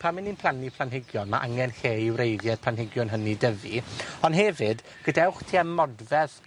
pam 'yn ni'n plannu planhigion, ma' angen lle i wreiddie'r planhigion hynny dyfu, ond hefyd gadewch tua modfedd